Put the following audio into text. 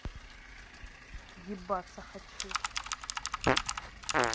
ебаться хочу